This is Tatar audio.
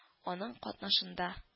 Аның катнашында